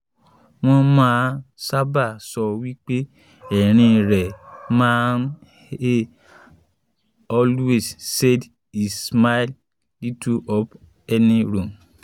Wọ́n máa ń sábà sọ wípé ẹ̀rín rẹ̀ máa ń hey always said his smile lit up any room."